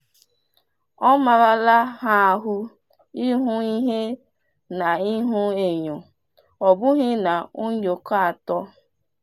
Ọ marala ha àhụ́ ịhụ ihe n'ihuenyo, ọ bụghị na onyoko atọ.